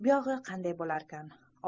buyog'i qanday bo'larkin